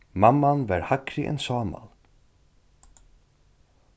mamman var hægri enn sámal